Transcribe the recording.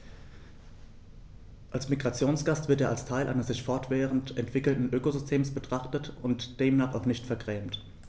Als Migrationsgast wird er als Teil eines sich fortwährend entwickelnden Ökosystems betrachtet und demnach auch nicht vergrämt.